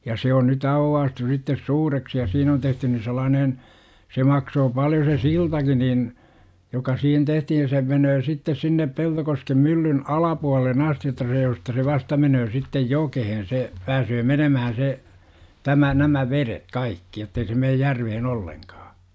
ja se on nyt aukaistu sitten suureksi ja siinä on tehty niin sellainen se maksoi paljon se siltakin niin joka siihen tehtiin se menee sitten sinne Peltokosken myllyn alapuolelle asti jotta se josta se vasta menee sitten jokeen se pääsee menemään se tämä nämä vedet kaikki jotta ei se mene järveen ollenkaan